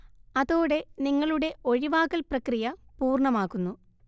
അതോടെ നിങ്ങളുടെ ഒഴിവാകൽ പ്രക്രിയ പൂർണ്ണമാകുന്നു